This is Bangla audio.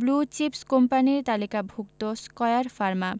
ব্লু চিপস কোম্পানির তালিকাভুক্ত স্কয়ার ফার্মা